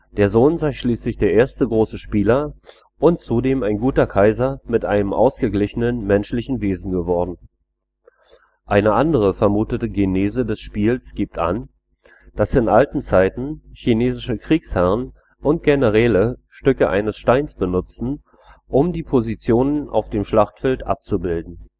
Der Sohn sei schließlich der erste große Spieler und zudem ein guter Kaiser mit einem ausgeglichenen menschlichen Wesen geworden. Eine andere vermutete Genese des Spiels gibt an, dass in alten Zeiten chinesische Kriegsherren und Generäle Stücke eines Steins benutzten, um die Positionen auf dem Schlachtfeld abzubilden